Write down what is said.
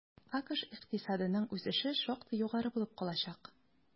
АКШ икътисадының үсеше шактый югары булып калачак.